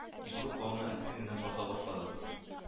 Ибрук бауны әкрен генә тарта башлады